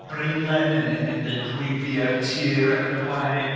yn... yn... yn dweud pwy bia'r tir ac yn y blaen.